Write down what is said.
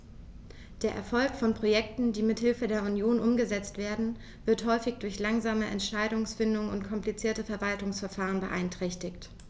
Der Erfolg von Projekten, die mit Hilfe der Union umgesetzt werden, wird häufig durch langsame Entscheidungsfindung und komplizierte Verwaltungsverfahren beeinträchtigt.